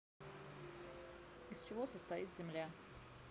из чего состоит земля